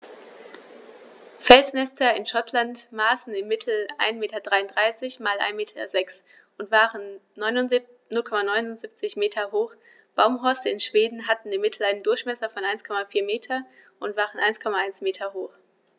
Felsnester in Schottland maßen im Mittel 1,33 m x 1,06 m und waren 0,79 m hoch, Baumhorste in Schweden hatten im Mittel einen Durchmesser von 1,4 m und waren 1,1 m hoch.